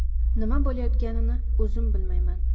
nima bo'layotganini o'zim bilmayman